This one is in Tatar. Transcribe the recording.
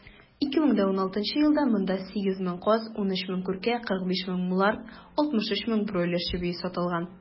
2016 елда монда 8 мең каз, 13 мең күркә, 45 мең мулард, 63 мең бройлер чебие сатылган.